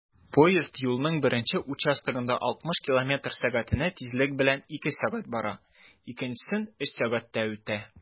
Поезд юлның беренче участогында 60 км/сәг тизлек белән 2 сәг. бара, икенчесен 3 сәгатьтә үтә.